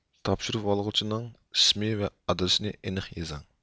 تاپشۇرۇۋالغۇچىنىڭ ئىسمى ۋە ئادرېسىنى ئېنىق يېزىڭ